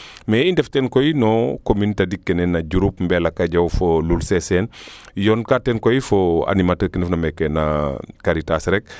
mais i ndef teen koy no commune tadik kene na Diouroup Mbelakadiaw fo Loul Sesene yoon ka teen koy fo animateur kene ndef na meeke na Karitas rek